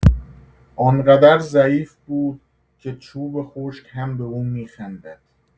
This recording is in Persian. آنقدر ضعیف بود که چوب خشک هم به او می‌خندد.